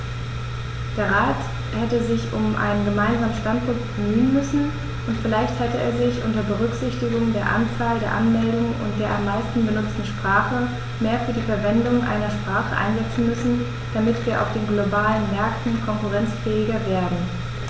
Der Rat hätte sich um einen gemeinsamen Standpunkt bemühen müssen, und vielleicht hätte er sich, unter Berücksichtigung der Anzahl der Anmeldungen und der am meisten benutzten Sprache, mehr für die Verwendung einer Sprache einsetzen müssen, damit wir auf den globalen Märkten konkurrenzfähiger werden.